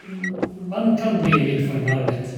Man kan bli litt fornærmet.